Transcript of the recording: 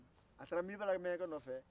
a taara n'bilibala ŋɛɲɛkɛ nɔfɛ